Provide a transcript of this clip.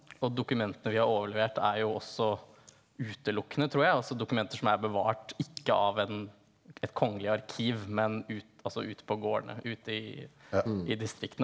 og dokumentene vi har overlevert er jo også utelukkende tror jeg altså dokumenter som er bevart ikke av en et kongelig arkiv men ut altså ut på gårdene ute i i distriktene.